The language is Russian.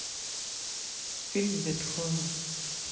фильм бетховен